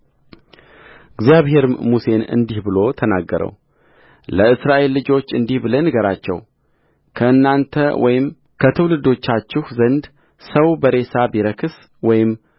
እግዚአብሔርም ሙሴን እንዲህ ብሎ ተናገረውለእስራኤል ልጆች እንዲህ ብለህ ንገራቸው ከእናንተ ወይም ከትውልዶቻችሁ ዘንድ ሰው በሬሳ ቢረክስ ወይም